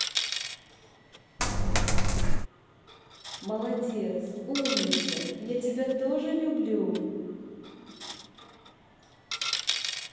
молодец умница я тебя тоже люблю